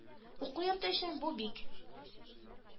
Уку йорты өчен бу бик